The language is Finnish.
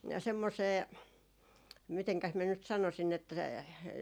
semmoiseen mitenkäs minä nyt sanoisin että